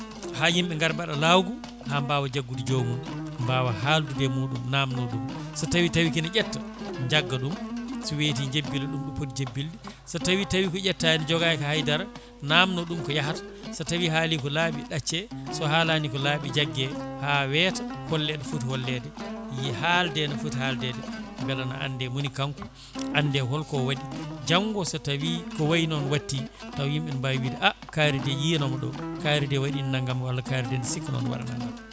ha yimɓe gaara mbaɗa lawgu ha mbawa jaggude joomum mbawa haldude muɗum namno ɗum so tawi tawi kene ƴetta jagga ɗum so weeti jebbila ɗum ɗo pooti jebbilde so tawi tawi ko ƴettani jogaki haydara namdo ɗum ko haayata so tawi haali ko laaɓi ɗacce so tawi haalani ko laaɓi jaggue ha weeta holle ɗo footi hollede halde no footi haldede beela ne ande moni kanko ande holko waɗi janggo so tawi ko wayi noon watti taw yimɓe ne mbawi wiide a kaari de yiyanoma ɗo kaari de waɗino naggam walla kaari de ne sikkano ne waɗa naggam